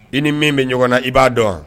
I ni min bɛ ɲɔgɔn na i b'a dɔn wa?